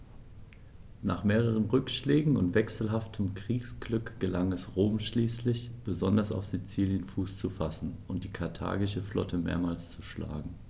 Nach mehreren Rückschlägen und wechselhaftem Kriegsglück gelang es Rom schließlich, besonders auf Sizilien Fuß zu fassen und die karthagische Flotte mehrmals zu schlagen.